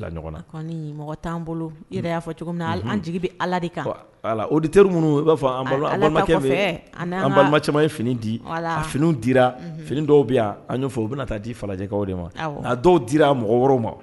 A teriri minnu b'a fɔkɛ caman ye fini di fini di fini dɔw bɛ' an ɲɛfɔ u bɛna taa di falajɛjɛkaw de ma dɔw dira mɔgɔ ma